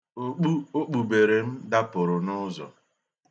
Okpu o kpubere m dapụrụ n'ụzọ.